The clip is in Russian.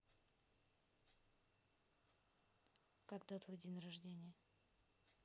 когда твой день рождения